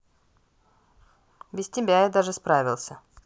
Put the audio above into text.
без тебя я даже справился